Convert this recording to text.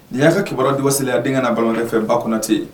Nini y'a ka kiba dugwaseya denkɛ na bamanankɛfɛ ba kunnatɛ